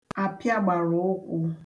àpịagbàràụkwụ̄